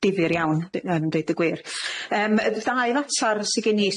difyr iawn yn deud y gwir yym y ddau fatar sy gen i